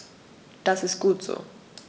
Das ist gut so.